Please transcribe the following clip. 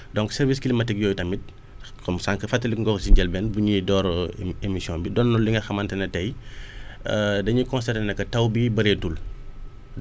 donc services climatiques yooyu tamit comme sànq fàttali nga ko si njëlbeen bu ñuy door émi émission bi doon na li nga xamante ne tey dañu constater ne que taw bi bëreetul